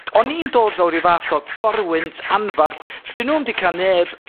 o'n i'n dod fel ryw fath o gorwynt anfarth. 'Dyn nw'm 'di ca'l neb